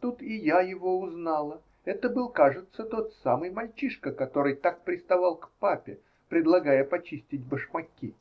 Тут и я его узнала: это был, кажется, тот самый мальчишка, который так приставал к папе, предлагая почистить башмаки.